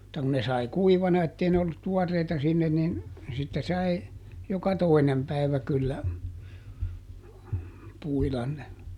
mutta kun ne sai kuivana että ei ne ollut tuoreita sinne niin sitten sai joka toinen päivä kyllä puida ne